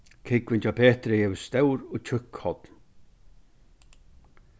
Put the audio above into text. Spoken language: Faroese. kúgvin hjá peturi hevur stór og tjúkk horn